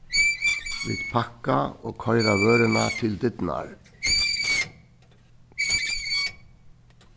vit pakka og koyra vøruna til dyrnar